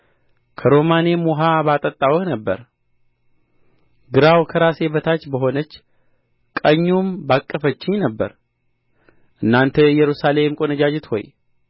ከሮማኔም ውኃ ባጠጣሁህ ነበር ግራው ከራሴ በታች በሆነች ቀኙም ባቀፈችኝ ነበር እናንተ የኢየሩሳሌም ቈነጃጅት ሆይ